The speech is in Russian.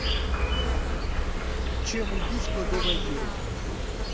чем убить плодовое дерево